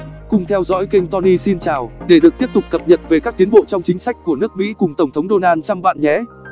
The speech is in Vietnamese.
cùng theo dõi kênh tony xin chào để được tiếp tục cập nhật về các tiến bộ trong chính sách của nước mỹ cùng tổng thống donald trump bạn nhé